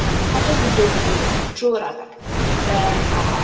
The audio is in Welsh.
Ma' jyst yn doom and gloom trwy'r adeg, yym, a...